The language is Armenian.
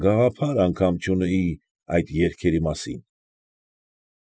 Գաղափար անգամ չունեի այդ երգերի մասին։